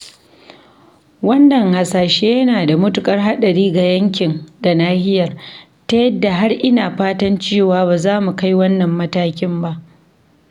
Wannan hasashe yana da matuƙar haɗari ga yankin da nahiyar, ta yadda har ina fatan cewa ba za mu kai wannan matakin ba.